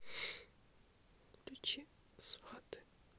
включи сваты